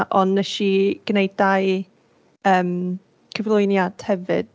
Ond wnes i gwneud dau ymm cyflwyniad hefyd.